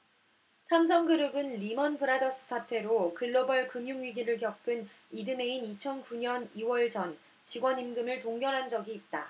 삼성그룹은 리먼브라더스 사태로 글로벌 금융위기를 겪은 이듬해인 이천 구 년 이 월 전 직원 임금을 동결한 적이 있다